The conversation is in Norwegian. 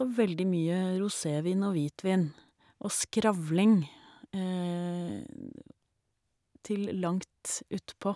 Og veldig mye rosévin og hvitvin og skravling til langt utpå.